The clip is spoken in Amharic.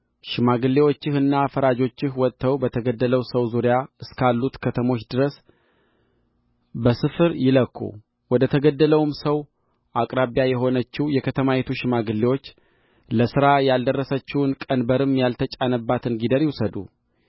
ሽማግሌዎችህና ፈራጆችህ ወጥተው በተገደለው ሰው ዙሪያ እስካሉት ከተሞች ድረስ በስፍር ይለኩ ወደ ተገደለውም ሰው አቅራቢያ የሆነችው የከተማይቱ ሽማግሌዎች ለሥራ ያልደረሰችውን ቀንበርም ያልተጫነባትን ጊደር ይውሰዱ